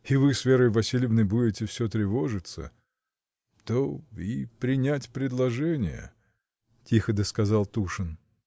и вы с Верой Васильевной будете всё тревожиться. то и принять предложение. — тихо досказал Тушин.